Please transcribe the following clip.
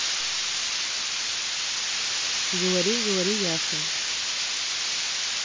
говори говори ясно